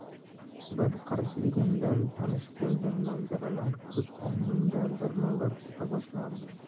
bir qarichligimdan tanish bo'lgan manzaralar ko'z o'ngimdan birma bir o'ta boshlardi